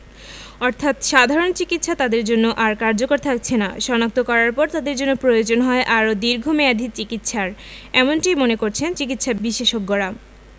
অর্থাৎ সাধারণ চিকিৎসা তাদের জন্য আর কার্যকর থাকছেনা শনাক্ত করার পর তাদের জন্য প্রয়োজন হয় আরও দীর্ঘমেয়াদি চিকিৎসার এমনটিই মনে করছেন চিকিৎসাবিশেষজ্ঞরা